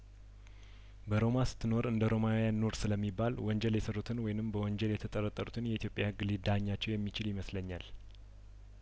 በሮማ ስት ኖር እንደሮማውያን ኑር ስለሚባል ወንጀል የሰሩትን ወይንም በወንጀል የተጠረጠሩትን የኢትዮጵያ ህግ ሊዳኛቸው የሚችል ይመስለኛል